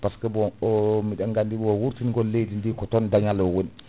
par ce que bon % biɗon gandi wurtin gol leydi ndi ko ton dañal o woni